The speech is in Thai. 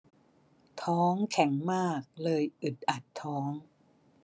ท้องแข็งมากเลยอึดอัดท้อง